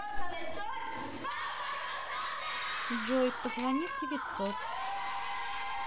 джой позвони в девятьсот